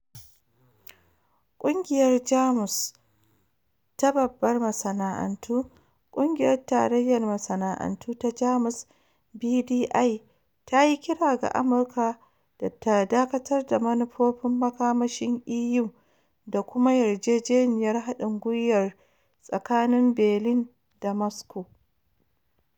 Ƙungiyar Jamus ta babbar masana'antu, kungiyar tarayyar masana'antu ta Jamus (BDI) ta yi kira ga Amurka da ta dakatar da manufofin makamashin EU da kuma yarjejeniyar hadin gwiwar tsakanin Berlin da Moscow.